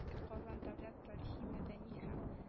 Иске Казан дәүләт тарихи-мәдәни һәм